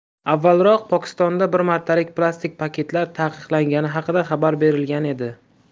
avvalroq pokistonda bir martalik plastik paketlar taqiqlangani haqida xabar berilgan edi